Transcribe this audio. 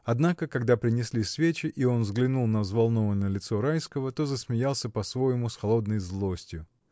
Однако когда принесли свечи и он взглянул на взволнованное лицо Райского, то засмеялся, по-своему, с холодной злостью.